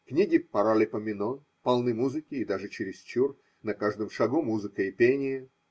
Книги Паралипоменон полны музыки даже чересчур – на каждом шагу музыка и пение.